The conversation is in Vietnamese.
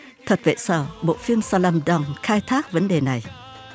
thật vậy sở bộ phim sờ lăm đăng khai thác vấn đề này